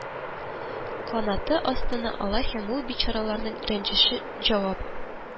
Канаты астына ала һәм ул бичараларның рәнҗеше җа ап